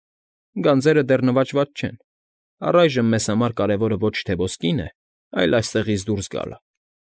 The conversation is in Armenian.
Գանձերը դեռ նվաճված չեն։ Առայժմ մեզ համար կարևորը ոչ թե ոսկին է, այլ այստեղից դուրս գալը։